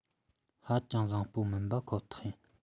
ཧ ཅང བཟང བོ མིན པ ཁོ ཐག ཡིན